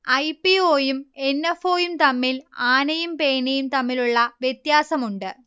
I. P. O യും N. F. O യും തമ്മിൽ ആനയും പേനയും തമ്മിലുള്ള വ്യത്യാസമുണ്ട്